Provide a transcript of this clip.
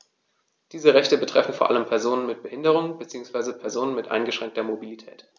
Diese Rechte betreffen vor allem Personen mit Behinderung beziehungsweise Personen mit eingeschränkter Mobilität.